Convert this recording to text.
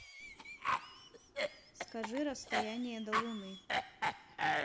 скажи расстояние до луны